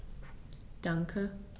Danke.